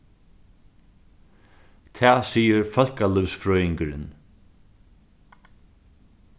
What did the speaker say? tað sigur fólkalívsfrøðingurin